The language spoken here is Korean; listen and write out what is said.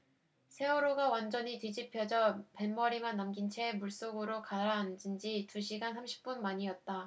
세월호가 완전히 뒤집혀져 뱃머리만 남긴 채 물속으로 가라앉은 지 두 시간 삼십 분 만이었다